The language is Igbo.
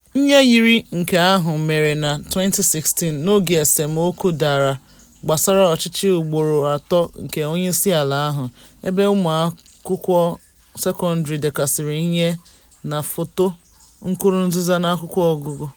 Ihe yiri nke ahụ mere na 2016, n'oge esemokwu dara gbasara ọchịchị ugboro atọ nke onyeisiala ahụ, ebe ụmụakwụkwọ sekọndrị dekasiri ihe na foto Nkurunziza n'akwụkwọ ọgụgụ.